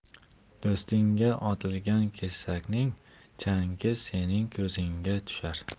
do'stingga otilgan kesakning changi sening ko'zingga tushar